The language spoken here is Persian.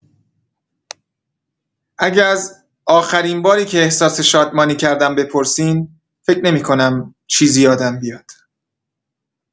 اگه از آخرین باری که احساس شادمانی کردم بپرسین، فکر نمی‌کنم چیزی یادم بیاد.